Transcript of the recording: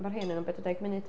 Ma' rhai ohonyn nhw'n 40 munud.